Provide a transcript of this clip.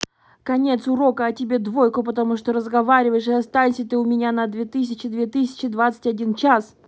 конец урока о тебе двойку потому что разговариваешь и останься ты у меня на две тысячи две тысячи двадцать один час